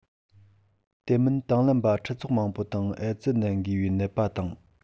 དེ མིན དང ལེན པ ཁྲི ཚོ མང པོ དང ཨེ ཙི ནད འགོས པའི ནད པ དང